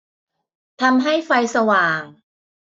ทำให้ไฟสว่าง